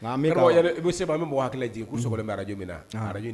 Nka an bɛ ka I ko sɛba an bɛ mɔgɔw hakili lajigin u sɔgɔlen bɛ radio min na, anhan, radio in